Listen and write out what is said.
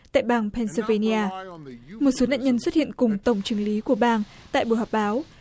tại bang pen sơ va ni a một số nạn nhân xuất hiện cùng tổng chưởng lý của bang tại buổi họp báo